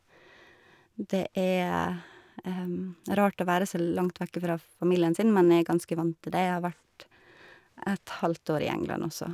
Det er rart å være så langt vekke fra familien sin, men jeg er ganske vant til det, jeg har vært et halvt år i England også.